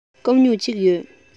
སྐམ སྨྱུག གཅིག ཡོད